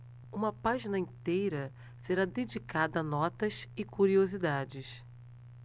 uma página inteira será dedicada a notas e curiosidades